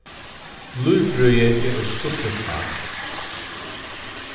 lívfrøði er eitt stuttligt fak